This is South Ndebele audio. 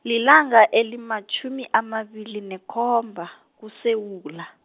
lilanga elimatjhumi amabili nekhomba, kuSewula.